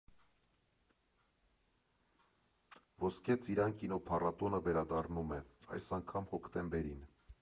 Ոսկե ծիրան կինոփառատոնը վերադառնում է, այս անգամ՝ հոկտեմբերին։